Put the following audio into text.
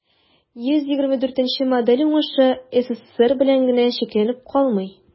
124 нче модель уңышы ссср белән генә чикләнеп калмый.